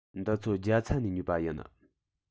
འདི ཚོ རྒྱ ཚ ནས ཉོས པ ཡིན